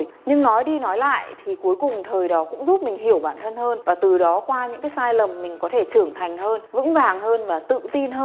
nhưng nói đi nói lại thì cuối cùng thời đó cũng giúp mình hiểu bản thân hơn và từ đó qua những cái sai lầm mình có thể trưởng thành hơn vững vàng hơn và tự tin hơn